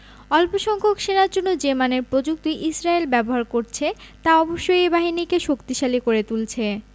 অল্পসংখ্যক সেনার জন্য যে মানের প্রযুক্তি ইসরায়েল ব্যবহার করছে তা অবশ্যই এই বাহিনীকে শক্তিশালী করে তুলছে